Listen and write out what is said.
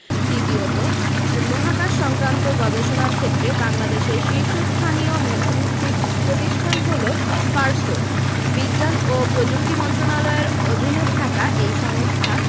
দ্বিতীয়ত মহাকাশসংক্রান্ত গবেষণার ক্ষেত্রে বাংলাদেশের শীর্ষস্থানীয় মেধাভিত্তিক প্রতিষ্ঠান হলো স্পারসো বিজ্ঞান ও প্রযুক্তি মন্ত্রণালয়ের অধীনে থাকা এই সংস্থা